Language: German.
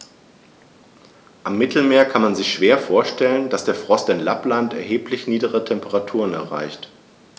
Am Mittelmeer kann man sich schwer vorstellen, dass der Frost in Lappland erheblich niedrigere Temperaturen erreicht.